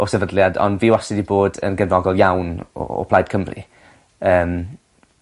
o sefydliad ond fi wastad 'di bod yn gefnogol iawn o o Plaid Cymru. Yym.